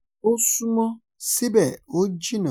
Ó súnmọ́, síbẹ̀ ó jìnà